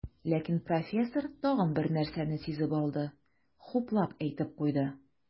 Ләкин профессор тагын бер нәрсәне сизеп алды, хуплап әйтеп куйды.